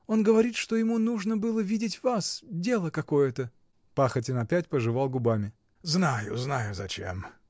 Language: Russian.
Он говорит, что ему нужно бы видеть вас, дело какое-то. Пахотин опять пожевал губами. — Знаю, знаю, зачем!